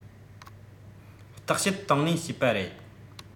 བརྟག དཔྱད དང ལེན བྱས པ རེད